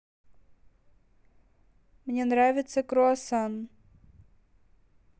мне нравится круасан